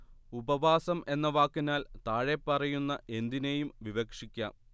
ഉപവാസം എന്ന വാക്കിനാൽ താഴെപ്പറയുന്ന എന്തിനേയും വിവക്ഷിക്കാം